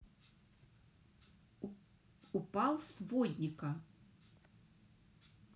упал сводника